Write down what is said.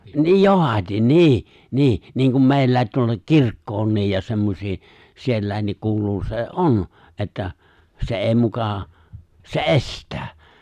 niin johdatin niin niin niin kuin meillä tuolla kirkkoonkin ja semmoisiin sielläkin kuuluu se on että se ei muka se estää